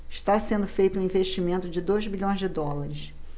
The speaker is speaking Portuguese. está sendo feito um investimento de dois bilhões de dólares